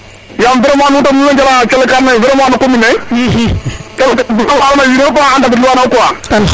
yaam vraiment nuuno nuun mbay njala ka ando naye vraiment no commune ne wiin we fop a ndafetlu ano yo quoi